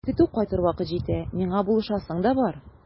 Көтү кайтыр вакыт җитә, миңа булышасың да бар.